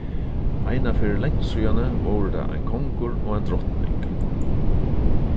einaferð langt síðani vóru tað ein kongur og ein drotning